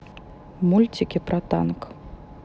мультики про танк